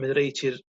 a mynd reit i'r